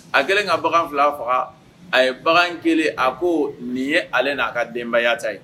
A kɛlen ka bagan fila faga a ye bagan kelen a ko nin ye ale n'a ka denbayaya ta ye